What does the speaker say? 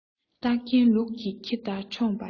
སྟག རྒན ལུག ལ ཁྱི ལྟར མཆོངས པས ཉེས